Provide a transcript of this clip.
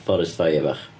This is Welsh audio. Forest fire bach.